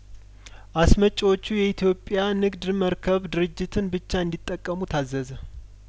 አስመጪዎቹ የኢትዮጵያ ንግድ መርከብ ድርጅትን ብቻ እንዲ ጠቀሙ ታዘዘ